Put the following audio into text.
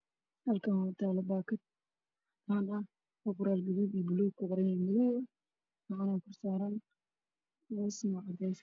Halkaan waxaa taalo baakad cadaan ah oo qoraal buluug iyo cadaan ah kuqoran yihiin, gacana kusawiran, hoosna waa cadeys.